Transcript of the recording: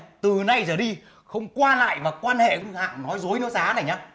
từ nay trở đi không qua lại và quan hệ với hạng nói dối nói giá này nhớ